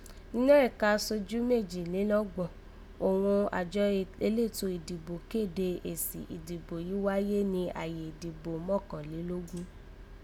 Ninọ́ ẹ̀ka asojú méjìlénọ́gbàn òghun àjọ elétò ìdìbò kéde èsì ìdìbò yìí wáyé ní ààyè ìdìbò mọ́kànlénogún